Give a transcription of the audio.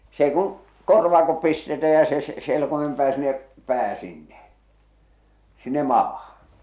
se ei kun korvakot pistetään ja se - selkoimen pää sinne pää sinne sinne maahan